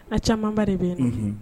A camanba de bɛ yen nin